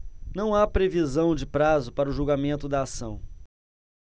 não há previsão de prazo para o julgamento da ação